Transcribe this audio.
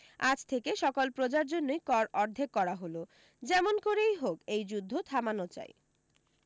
আজ থেকে সকল প্রজার জন্যই কর অর্ধেক করা হল যেমন করেই হোক এই যুদ্ধ থামানো চাই